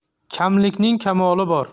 kamlikning kamoli bor